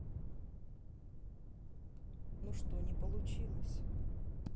ну что не получилось